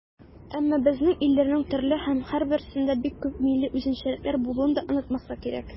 Әмма безнең илләрнең төрле һәм һәрберсендә бик күп милли үзенчәлекләр булуын да онытмаска кирәк.